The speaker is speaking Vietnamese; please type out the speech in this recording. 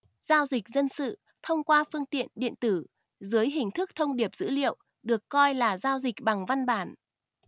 giao dịch dân sự thông qua phương tiện điện tử dưới hình thức thông điệp dữ liệu được coi là giao dịch bằng văn bản